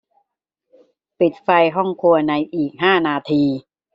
ปิดไฟห้องครัวในอีกห้านาที